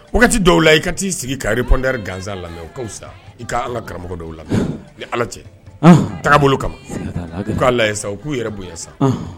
Wagati dɔw la i ka t'i sigi ka répondeur gansan lamɛ o ka wusa i ka an ŋa karamɔgɔ dɔw lamɛ ni Ala cɛ ɔnhɔn tagabolo kama siga t'a la u k'a layɛ sa u k'u yɛrɛ bonya sa ɔnhɔn